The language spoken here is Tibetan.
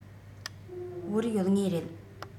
བོར ཡོད ངེས རེད